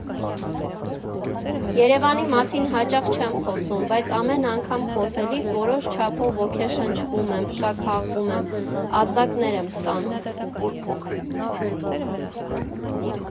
Երևանի մասին հաճախ չեմ խոսում, բայց ամեն անգամ խոսելիս որոշ չափով ոգեշնչվում եմ, փշաքաղվում եմ, ազդակներ եմ ստանում։